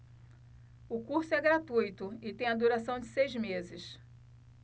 o curso é gratuito e tem a duração de seis meses